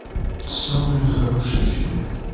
самые хорошие фильмы